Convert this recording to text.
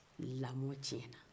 lamɔ tiɲɛ na